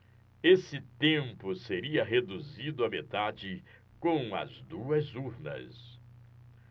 esse tempo seria reduzido à metade com as duas urnas